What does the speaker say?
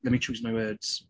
Let me choose my words.